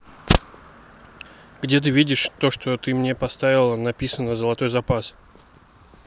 где ты видишь то что ты мне приставила написано золотой запас